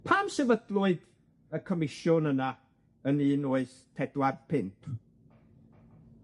Pam sefydlwyd y comisiwn yna yn un wyth pedwar pump?